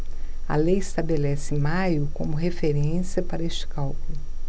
a lei estabelece maio como referência para este cálculo